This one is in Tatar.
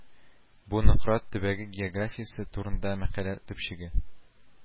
Бу Нократ төбәге географиясе турында мәкалә төпчеге